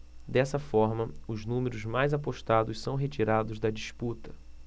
dessa forma os números mais apostados são retirados da disputa